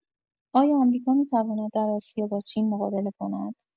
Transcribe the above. آیا آمریکا می‌تواند در آسیا با چین مقابله کند؟